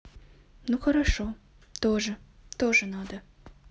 ну хорошо тоже тоже надо